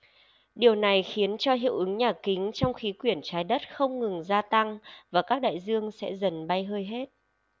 điều này khiến cho hiệu ứng nhà kính trong khí quyển trái đất không ngừng gia tăng và các đại dương sẽ dần bay hơi hết